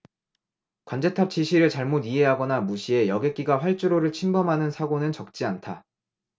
관제탑 지시를 잘못 이해하거나 무시해 여객기가 활주로를 침범하는 사고는 적지 않다